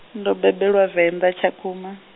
ndo bebelwa Venḓa Tshakhuma.